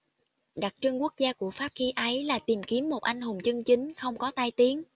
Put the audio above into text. đặc trưng quốc gia của pháp khi ấy là tìm kiếm một anh hùng chân chính không có tai tiếng